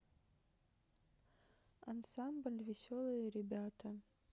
ансамбль веселые ребята